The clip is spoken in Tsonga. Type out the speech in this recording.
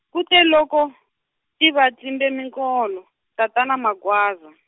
kute loko, ti va tlimbe minkolo, tatana Magwaza.